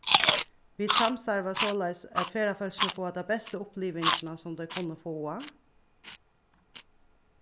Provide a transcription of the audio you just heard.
vit samstarva soleiðis at ferðafólkini fáa ta bestu upplivingina sum tey kunnu fáa